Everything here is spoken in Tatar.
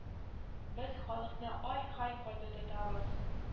Без халыкны ай-һай каты тотабыз